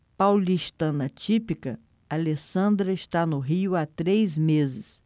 paulistana típica alessandra está no rio há três meses